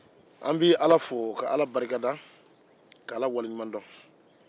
an bɛ ala fo ka ala barikada k'a waleɲumandɔn